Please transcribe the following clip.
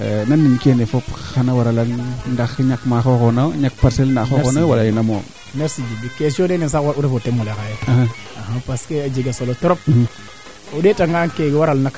ndiiki koy a fiya ngaan oxa ga'eerna a garo yeng a yen teen choc fuu jegna maaga ndeeti koy kee bugoona jirñu mene baa tax o waro kiin wala o fi lakas est que a jaraan oxey xaaga fat wiin we letna yiifa ke fa a qeeña ke